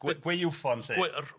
Gwe- gwaywffon 'lly.